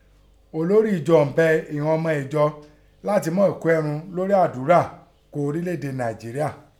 Olórí ìjọ ọ̀ún bẹ ìghọn ọmọ ìjọ láti mọ́ kú ẹrun lórí àdọ̀rà ún ọrílẹ̀ èdè Nàìjéríà.